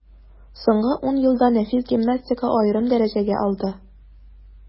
Соңгы ун елда нәфис гимнастика аерым дәрәҗәгә алды.